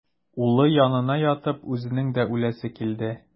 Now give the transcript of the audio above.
Улы янына ятып үзенең дә үләсе килде.